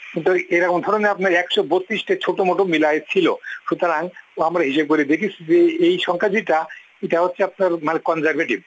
এরকম ধরনের আপনার ১৩২ টা ছোট মোটো মিলায় ছিল সুতরাং আমরা হিসাব করে দেখেছি যে এই সংখ্যা যেটা এটা হচ্ছে আপনার মানে কনজারভেটিভ